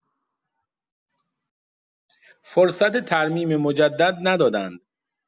فرصت ترمیم مجدد ندادن